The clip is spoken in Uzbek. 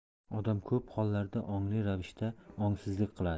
odam ko'p hollarda ongli ravishda ongsizlik qiladi